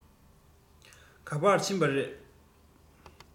ག པར ཕྱིན པ རེད